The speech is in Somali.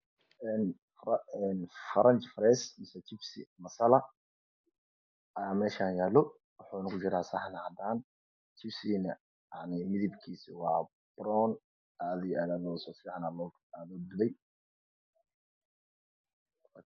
Faraji fash jabsi masala ayaa meeshaan yaalo waxuu kujiraa saxan cadaan ah jabsigana midabkiisa waa boroon oo sifiican loo dubay.